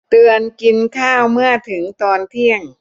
เตือนกินข้าวเมื่อถึงตอนเที่ยง